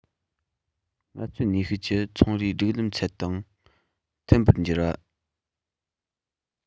ངལ རྩོལ ནུས ཤུགས ཀྱི ཚོང རའི སྒྲིག ལམ ཚད དང མཐུན པར འགྱུར བ